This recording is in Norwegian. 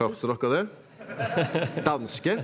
hørte dere det danske.